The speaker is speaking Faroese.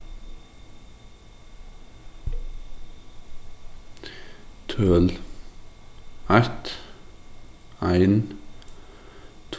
tøl eitt ein